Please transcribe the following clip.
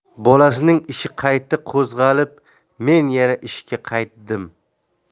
bolasining ishi qayta qo'zg'alib men yana ishga qaytdim